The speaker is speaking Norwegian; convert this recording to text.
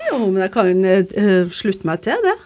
jo men jeg kan eee slutte meg til det.